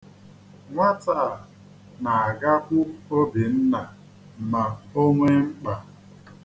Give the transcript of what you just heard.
Nwata a na-agakwu Obinna ma o nwee mkpa.